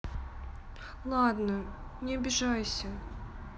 ладно не обижайся